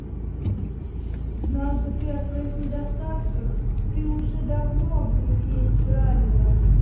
знал бы ты о своих недостатках ты уже давно бы их есть правило